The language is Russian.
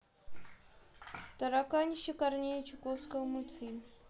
тараканище корнея чуковского мультфильм